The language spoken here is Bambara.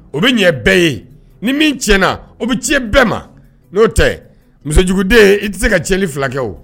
O bɛ ɲɛ bɛɛ ye ni min ti na o bɛ ci bɛɛ ma n'o tɛ musojuguden i tɛ se ka cɛli filakɛ o